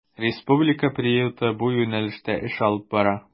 Республика приюты бу юнәлештә эш алып бара.